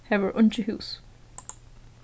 har vóru eingi hús